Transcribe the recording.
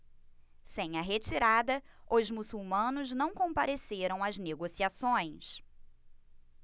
sem a retirada os muçulmanos não compareceram às negociações